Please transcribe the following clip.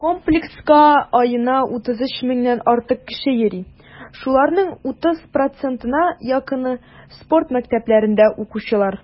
Комплекска аена 33 меңнән артык кеше йөри, шуларның 30 %-на якыны - спорт мәктәпләрендә укучылар.